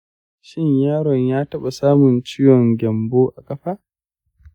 shin yaron ya taɓa samun ciwon gyambo a kafa?